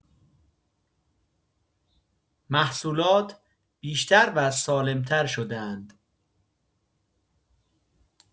محصولات بیشتر و سالم‌تر شدند.